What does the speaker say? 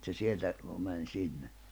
että se sieltä meni sinne